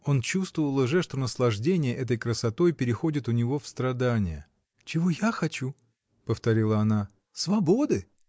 Он чувствовал уже, что наслаждение этой красотой переходит у него в страдание. — Чего я хочу? — повторила она, — свободы!